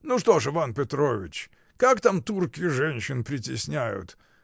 Ну что ж, Иван Петрович: как там турки женщин притесняют?